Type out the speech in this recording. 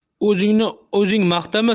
o'zingni o'zing maqtama